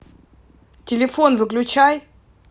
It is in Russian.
телефон выключай